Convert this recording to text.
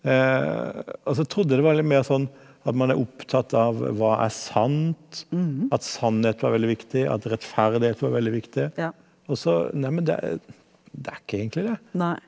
og så trodde jeg det var litt mer sånn at man er opptatt av hva er sant, at sannhet var veldig viktig, at rettferdighet var veldig viktig, og så nei men det det er ikke egentlig det.